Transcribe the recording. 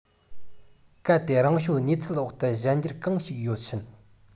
གལ ཏེ རང བྱུང གནས ཚུལ འོག ཏུ གཞན འགྱུར གང ཞིག ཡོད ཕྱིན